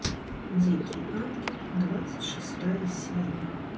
дикий ангел двадцать шестая серия